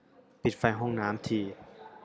ปิดไฟห้องน้ำที